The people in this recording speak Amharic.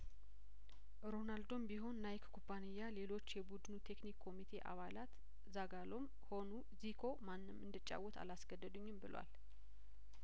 ሮናልዶም ቢሆንናይክ ኩባንያ ሌሎች የቡድኑ ቴክኒክ ኮሚቴ አባላት ዛጋሎም ሆኑ ዚኮ ማንም እንድ ጫወት አላስ ገደዱኝም ብሏል